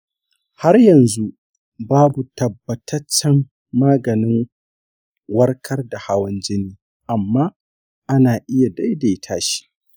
har yanzu babu tabbataccen maganin warkar da hawan jini, amma ana iya daidaita shi.